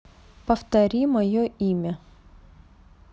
повтори мое имя